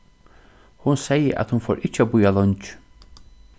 hon segði at hon fór ikki at bíða leingi